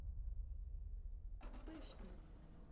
пышный